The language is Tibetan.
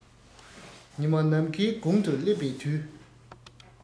ཉི མ ནམ མཁའི དགུང དུ སླེབས པའི དུས